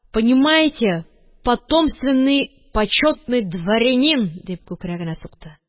«понимаете, потомственный почётный дворянин», – дип, күкрәгенә сукты.